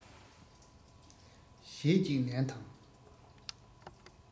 གཞས གཅིག ལེན དང